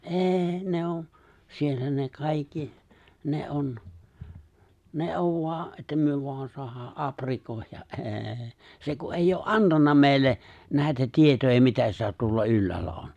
ei ne on siellä ne kaikki ne on ne on vain että me vain saadaan aprikoida ei se kun ei ole antanut meille näitä tietoja mitä sitä tuolla ylhäällä on